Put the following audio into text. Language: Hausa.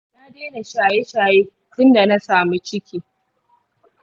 na daina shaye shaye tin da na samu ciki.